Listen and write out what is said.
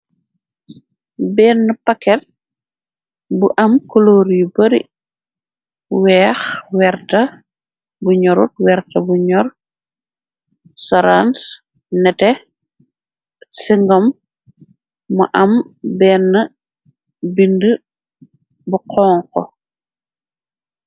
Benni paket bu am kuloor yu bari weex, werta, bu ñorut werta bu ñorut, sorans, neteh, singom, mo am bena bind bu xonxo.